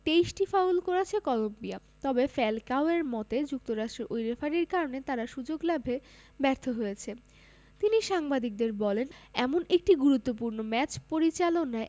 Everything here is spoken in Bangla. ২৩টি ফাউল করেছে কলম্বিয়া তবে ফ্যালকাওয়ের মতে যুক্তরাষ্ট্রের ওই রেফারির কারণে তারা সুযোগ লাভে ব্যর্থ হয়েছে তিনি সাংবাদিকদের বলেন এমন একটি গুরুত্বপূর্ণ ম্যাচ পরিচালনায়